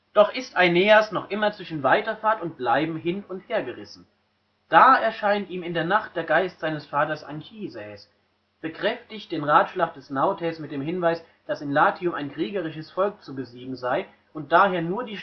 Doch ist Aeneas noch immer zwischen Weiterfahrt und Bleiben hin - und hergerissen. Da erscheint ihm in der Nacht der Geist seines Vaters Anchises, bekräftigt den Ratschlag des Nautes mit dem Hinweis, dass in Latium ein kriegerisches Volk zu besiegen sei und daher nur die